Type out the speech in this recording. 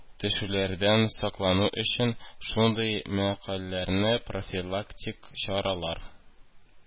Төшүләрдән саклану өчен, шундый мәкальләрне профилактик чаралар